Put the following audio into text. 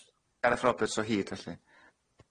Gareth Roberts o hyd felly.